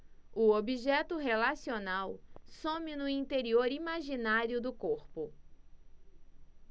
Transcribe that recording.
o objeto relacional some no interior imaginário do corpo